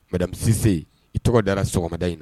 Madamise i tɔgɔ da sɔgɔmada in na